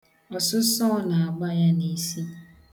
Ọsụsọọ na-agba ya n'isi.